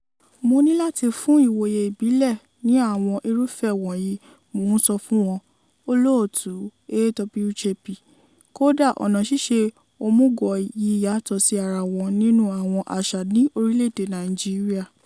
"Mo ní láti fún ìwòye ìbílẹ̀ ní àwọn irúfẹ́ wọ̀nyí...mò ń sọ fún wọn [olóòtú AWJP] kódà ọ̀nà ṣíṣe omugwo yìí yàtọ̀ sí ará wọn nínú àwọn àṣà ní orílẹ̀ èdè Nàìjíríà.